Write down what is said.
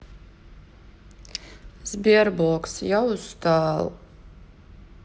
sberbox я устал